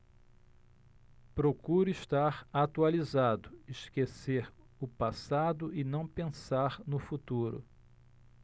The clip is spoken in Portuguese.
procuro estar atualizado esquecer o passado e não pensar no futuro